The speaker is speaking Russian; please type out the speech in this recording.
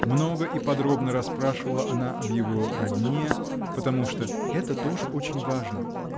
Много и подробно расспрашивала она об его родне, потому что -- "это тоже очень важно"